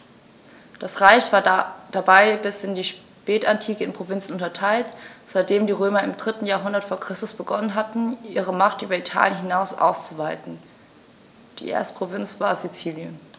Das Reich war dabei bis in die Spätantike in Provinzen unterteilt, seitdem die Römer im 3. Jahrhundert vor Christus begonnen hatten, ihre Macht über Italien hinaus auszuweiten (die erste Provinz war Sizilien).